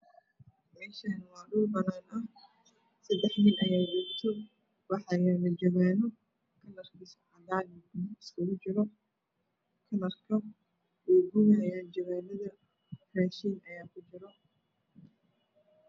Meeshaani waa dhul banaan ah sadex nin ayaa jiifto waxaa yaalo jawaano kalarkiisa cadaan iyo guduud iskugu jiro kalarka jawaanada raashin ayaa ku jiro